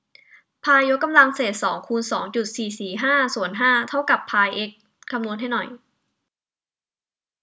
พายยกกำลังเศษสองคูณสองจุดสี่สี่ห้าส่วนห้าเท่ากับพายเอ็กซ์คำนวณให้หน่อย